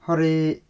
Oherwydd...